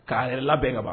K'a yɛrɛ labɛn kaban